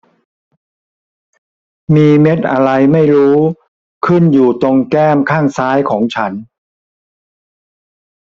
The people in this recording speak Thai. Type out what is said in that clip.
มีเม็ดอะไรไม่รู้ขึ้นอยู่ตรงแก้มข้างซ้ายของฉัน